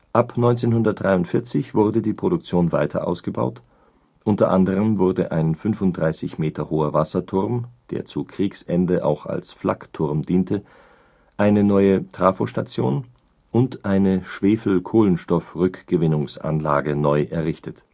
Ab 1943 wurde die Produktion weiter ausgebaut, unter anderem wurde ein 35 m hoher Wasserturm, der zu Kriegsende auch als Flakturm diente, eine neue Trafostation und eine Schwefel-Kohlenstoff-Rückgewinnungsanlage neu errichtet